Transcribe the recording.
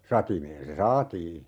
satimeen se saatiin